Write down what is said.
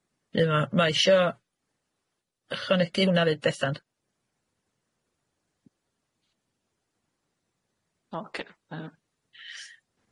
Be' ma' ma' isio ychwanegu hwnna ddeud bethan? O ocê yym.